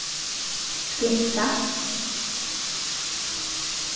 skinka